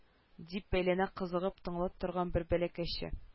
Дип бәйләнә кызыгып тыңлап торган бер бәләкәче